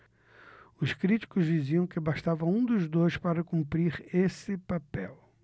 os críticos diziam que bastava um dos dois para cumprir esse papel